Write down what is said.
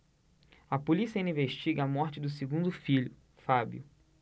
a polícia ainda investiga a morte do segundo filho fábio